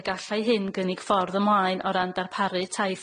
y gallai hyn gynnig ffordd ymlaen o ran darparu tai